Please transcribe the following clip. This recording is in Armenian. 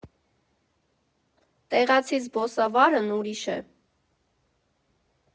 Տեղացի զբոսավարն ուրիշ է։